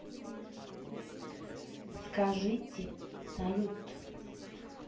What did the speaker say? скажите салют